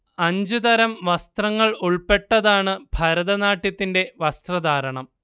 അഞ്ച് തരം വസ്ത്രങ്ങൾ ഉൾപ്പെട്ടതാണ് ഭരതനാട്യത്തിന്റെ വസ്ത്രധാരണം